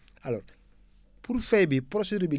alors pour fay bi procédure bi